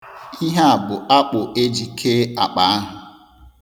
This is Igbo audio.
Ihe a bụ akpụ eji kee akpa ahụ.